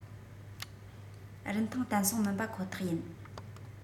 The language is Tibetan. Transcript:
རིན ཐང བརྟན སྲུང མིན པ ཁོ ཐག ཡིན